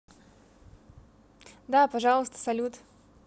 да пожалуйста салют